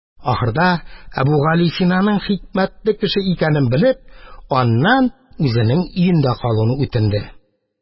Ахырда, Әбүгалисинаның хикмәтле кеше икәнен белеп, аннан үзенең өендә калуын үтенде.